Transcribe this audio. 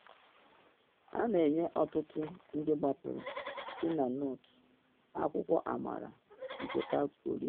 A na enye ọtụtụ nke ndị gbapụrụ si na North akwụkwọ amaala nke South Korea.